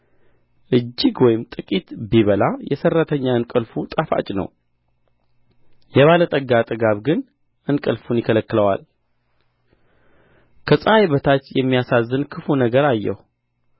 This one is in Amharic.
እጅግ ወይም ጥቂት ቢበላ የሠራተኛ እንቅልፍ ጣፋጭ ነው የባለጠጋ ጥጋብ ግን እንቅልፍን ይከለክለዋል ከፀሐይ በታች የሚያሳዝን ክፉ ነገር አየሁ